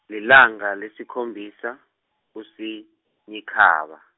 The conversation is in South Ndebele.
lilanga lesikhombisa, kuSinyikhaba.